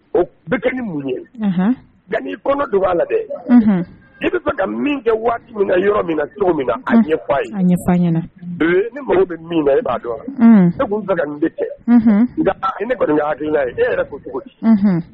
O bɛɛ kɛ ni mun ye nka nii kɔ don b'a la dɛ i bɛ ka min kɛ waati min na yɔrɔ min na cogo min na an ye an ne bɛ min i b'a dɔn la ka ka bɛ cɛ nka ne kɔni hakili la ne yɛrɛ ko cogo di